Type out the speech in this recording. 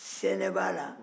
sɛnɛ b'a la